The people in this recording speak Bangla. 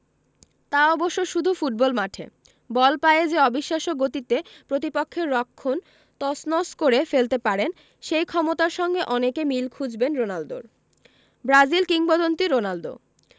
তা অবশ্য শুধু ফুটবল মাঠে বল পায়ে যে অবিশ্বাস্য গতিতে প্রতিপক্ষের রক্ষণ তছনছ করে ফেলতে পারেন সেই ক্ষমতার সঙ্গে অনেকে মিল খুঁজবেন রোনালদোর ব্রাজিল কিংবদন্তি রোনালদো